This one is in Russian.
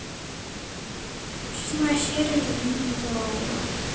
седьмая серия рабыня изаура